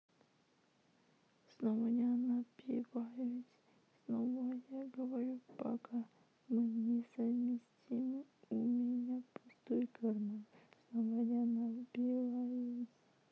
снова я напиваюсь снова я говорю пока мы не совместимы у меня пустой карман снова я напиваюсь